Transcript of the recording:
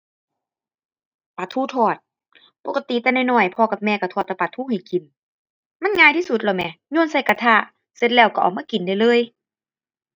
ปลาทูทอด ปกติแต่น้อยน้อยพ่อกับแม่ก็ทอดแต่ปลาทูให้กิน มันง่ายที่สุดแล้วแหม โยนใส่กระทะเสร็จแล้วก็เอามากินได้เลย